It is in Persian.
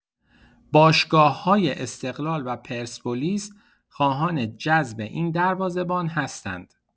باشگاه‌های استقلال و پرسپولیس خواهان جذب این دروازه‌بان هستند.